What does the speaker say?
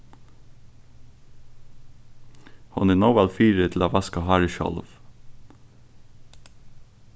hon er nóg væl fyri til at vaska hárið sjálv